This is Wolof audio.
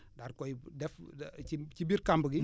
daal di koy def ci biir kamb gi